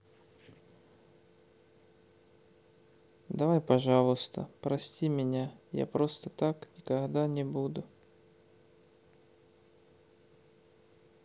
давай пожалуйста прости меня я просто так никогда не буду